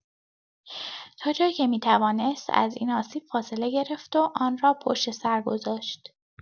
تا جایی که می‌توانست از این آسیب فاصله گرفت و آن را پشت‌سر گذاشت.